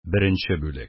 Беренче бүлек